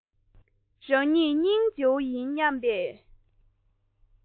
རང ཉིད སྙིང རྗེ བོ ཡིན སྙམ པའི